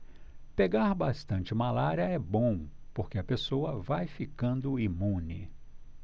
pegar bastante malária é bom porque a pessoa vai ficando imune